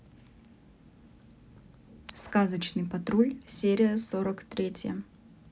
сказочный патруль серия сорок третья